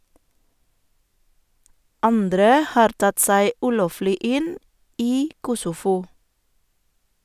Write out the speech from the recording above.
Andre har tatt seg ulovlig inn i Kosovo.